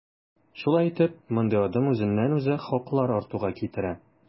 Шулай итеп, мондый адым үзеннән-үзе хаклар артуга китерә.